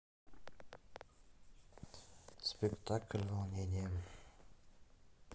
спектакль волнение